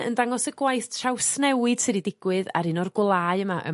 ...yn dangos y gwaith trawsnewid sy 'di digwydd ar un o'r gwlau yma ym...